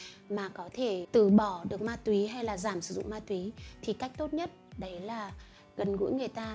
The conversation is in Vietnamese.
mà có thể từ bỏ được ma túy hay giảm sử dụng ma túy thì cách tốt nhất là gần gũi người ta